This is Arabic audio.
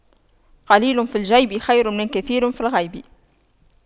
قليل في الجيب خير من كثير في الغيب